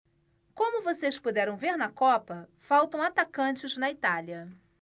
como vocês puderam ver na copa faltam atacantes na itália